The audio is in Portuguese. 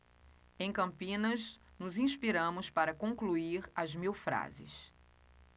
em campinas nos inspiramos para concluir as mil frases